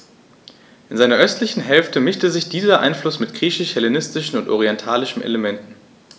In seiner östlichen Hälfte mischte sich dieser Einfluss mit griechisch-hellenistischen und orientalischen Elementen.